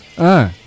a